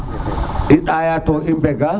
i ɗaya to i mbega